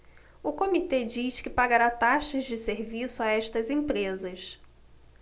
o comitê diz que pagará taxas de serviço a estas empresas